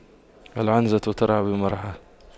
العنزة ترعى بمرعاها